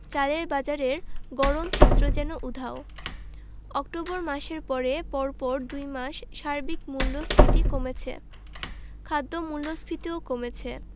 চালের বাজারের গরম চিত্র যেন উধাও অক্টোবর মাসের পরে পরপর দুই মাস সার্বিক মূল্যস্ফীতি কমেছে খাদ্য মূল্যস্ফীতিও কমেছে